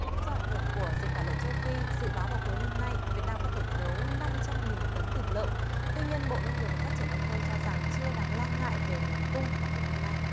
do ảnh hưởng của dịch tả lợn châu phi dự báo vào cuối năm nay việt nam có thể thiếu năm trăm nghìn tấn thịt lợn tuy nhiên bộ nông nghiệp và phát triển nông thôn cho rằng chưa đáng lo ngại về nguồn cung vào cuối năm nay